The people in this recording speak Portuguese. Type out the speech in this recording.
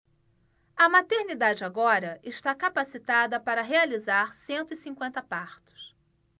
a maternidade agora está capacitada para realizar cento e cinquenta partos